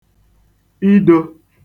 idō